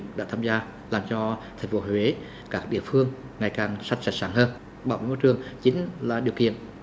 đã tham gia làm cho thành phố huế các địa phương ngày càng xanh sạch sáng hơn bảo vệ môi trường chính là điều kiện